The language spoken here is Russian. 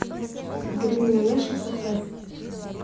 дрюня наше кафе